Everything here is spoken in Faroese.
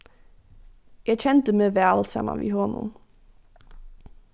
eg kendi meg væl saman við honum